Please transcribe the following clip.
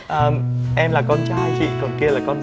ờ em là con trai chị còn kia là con